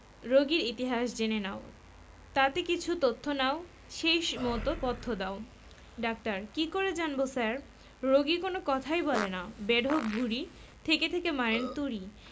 রোগীর ইতিহাস জেনে নাও তাতে কিছু তথ্য নাও সেই মত পথ্য দাও ডাক্তার কি করে জানব স্যার রোগী কোন কথাই বলে না বেঢপ ভূঁড়ি থেকে থেকে মারেন তুড়ি